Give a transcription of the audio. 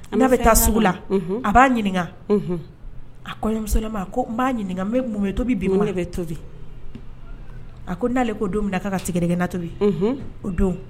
N'a bɛ taa sugu la a b'a ɲininka a komuso ma n b'a ɲininka bɛ mun tobi bi bɛ tobi a ko n'ale ko don mina ka ka sɛnɛna tobi o don